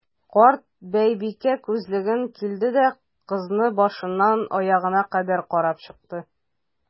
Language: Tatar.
Карт байбикә, күзлеген киде дә, кызны башыннан аягына кадәр карап чыкты.